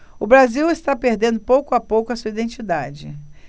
o brasil está perdendo pouco a pouco a sua identidade